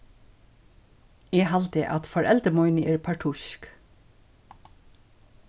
eg haldi at foreldur míni eru partísk